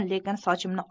lekin sochimni